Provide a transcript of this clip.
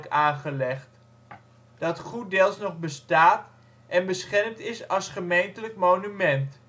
aangelegd, dat goeddeels nog bestaat en beschermd is als gemeentelijk monument